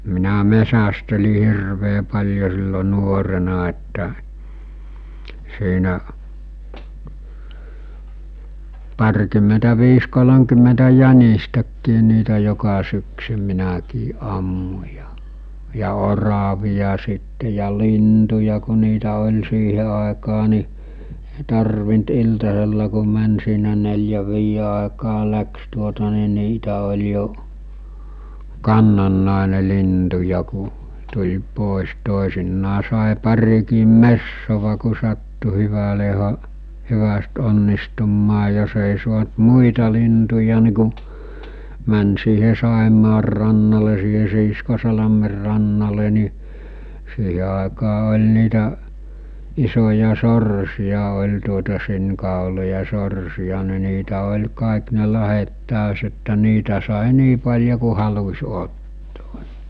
minä metsästelin hirveän paljon silloin nuorena että siinä parikymmentäviisi kolmekymmentä jänistäkin niitä joka syksy minäkin ammuin ja ja oravia sitten ja lintuja kun niitä oli siihen aikaan niin ei tarvinnut iltasella kun meni siinä neljän viiden aikaan lähti tuota niin niitä oli jo kannannainen lintuja kun tuli pois toisinaan sai parikin metsoa kun sattui hyvälle - hyvästi onnistumaan jos ei saanut muita lintuja niin kun meni siihen Saimaan rannalle siihen Siiskosalmen rannalle niin siihen aikaan oli niitä isoja sorsia oli tuota sinikauloja sorsia niin niitä oli kaikki ne lahdet taas että niitä sai niin paljon kuin halusi ottoo